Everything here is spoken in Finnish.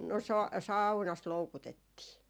no - saunassa loukutettiin